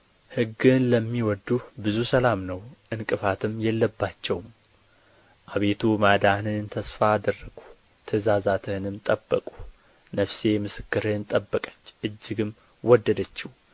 ሕግህን ለሚወድዱ ብዙ ሰላም ነው ዕንቅፋትም የለባቸውም አቤቱ ማዳንህን ተስፋ አደርግሁ ትእዛዛትህንም ጠበቅሁ ነፍሴ ምስክርህን ጠበቀች እጅግም ወደደችው